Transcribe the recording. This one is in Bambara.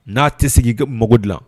N'a tɛ se k'i mago dilan